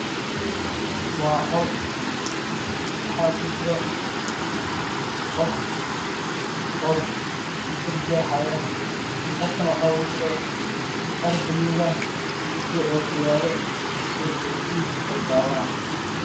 Waa qol waxaa ku jiro qof wada dhar buug ah oo gacanta ku wado bir